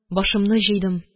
Башымны җыйдым